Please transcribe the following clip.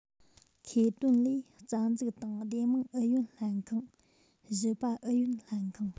ཁེ དོན ལས རྩ འཛུགས དང སྡེ དམངས ཨུ ཡོན ལྷན ཁང གཞི པ ཨུ ཡོན ལྷན ཁང